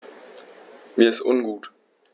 Mir ist ungut.